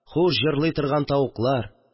Хуш, җырлый торган тавыклар